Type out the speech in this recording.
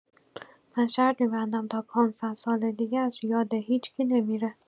من شرط می‌بندم تا ۵۰۰ ساله دیگه از یاده هیشکی نمی‌ره